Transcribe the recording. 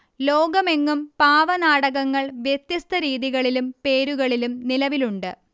ലോകമെങ്ങും പാവനാടകങ്ങൾ വ്യത്യസ്ത രീതികളിലും പേരുകളിലും നിലവിലുണ്ട്